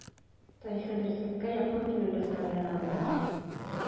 Тарихи дөреслеккә якын килү төсмерләнә анда.